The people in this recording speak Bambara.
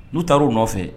N'u taara u nɔfɛ